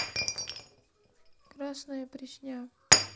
красная пресня